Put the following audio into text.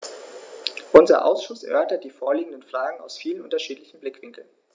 Unser Ausschuss erörtert die vorliegenden Fragen aus vielen unterschiedlichen Blickwinkeln.